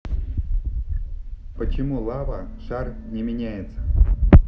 почему лава шар не меняется